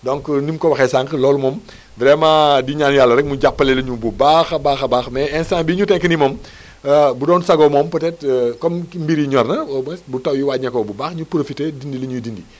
donc ni mu ko waxee sànq loolu moom vraiment di ñaan yàlla rek mu jààpale ñu bu baax a baax a baax mais instant bii ñu nekk nii moom bu doon sago moom peut être comme mbir yi ñor na au moins bu taw wi wàññeekoo bu baax ñu profité dindi li ñuy dindi